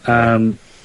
Yym.